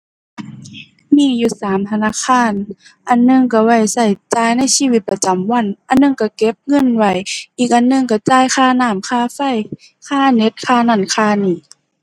มีอยู่สามธนาคาร อันหนึ่งก็ไว้ก็จ่ายในชีวิตประจำวัน อันหนึ่งก็เก็บเงินไว้ อีกอันหนึ่งก็จ่ายค่าน้ำ ค่าไฟ ค่าเน็ต ค่านั่นค่านี่